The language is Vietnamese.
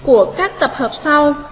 của các tập hợp sau